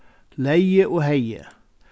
legði og hevði